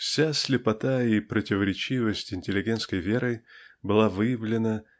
Вся слепота и противоречивость интеллигентской веры была выявлена